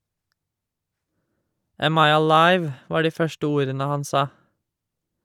"Am I alive?" var de første ordene han sa.